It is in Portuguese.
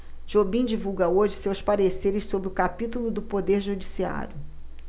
jobim divulga hoje seus pareceres sobre o capítulo do poder judiciário